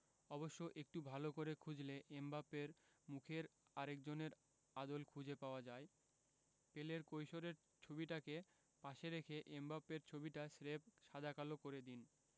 অবশ্য একটু ভালো করে খুঁজলে এমবাপ্পের মুখে আরেকজনের আদল খুঁজে পাওয়া যায় পেলের কৈশোরের ছবিটাকে পাশে রেখে এমবাপ্পের ছবিটা স্রেফ সাদা কালো করে দিন